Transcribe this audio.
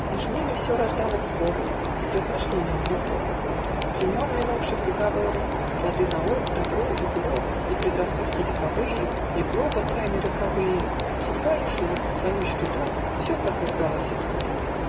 Меж ими все рождало споры И к размышлению влекло: Племен минувших договоры, Плоды наук, добро и зло, И предрассудки вековые, И гроба тайны роковые, Судьба и жизнь в свою чреду, Все подвергалось их суду.